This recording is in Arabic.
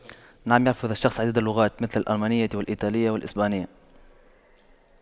نعم يعرف هذا الشخص عديد اللغات مثل الألمانية والإيطالية والإسبانية